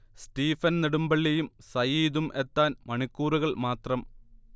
Stephen നെടുമ്ബളളിയും സയീദും എത്താൻ മണിക്കൂറുകൾ മാത്രം